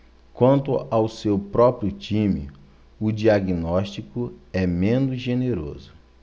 quanto ao seu próprio time o diagnóstico é menos generoso